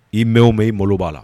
I mɛn o mɛn i malo b'a la